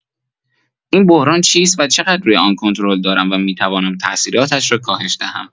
این بحران چیست و چقدر روی آن کنترل دارم و می‌توانم ثاثیراتش را کاهش دهم؟